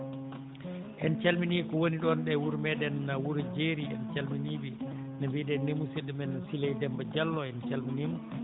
en calminii ko woni ɗon e wuro meeɗen wuro jeeri en calminii ɓe no mbiɗen ni musidɗo men Siley Demba Diallo en calminii mo